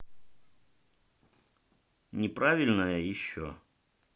неправильное еще